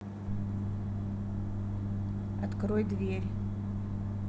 открой дверь